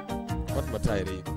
O t'a yɛrɛ ye